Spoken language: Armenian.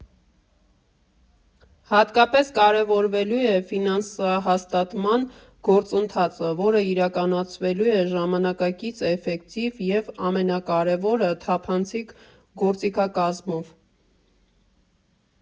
Հատկապես կարևորվելու է ֆինանսահաստատման գործընթացը, որը իրականացվելու է ժամանակակից, էֆեկտիվ և ամենակարևորը՝ թափանցիկ գործիքակազմով։